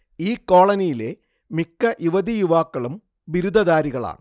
ഈ കോളനിയിലെ മിക്ക യുവതിയുവാക്കളും ബിരുദധാരികളാണ്